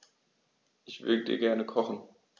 Ich würde gerne kochen.